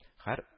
Һәр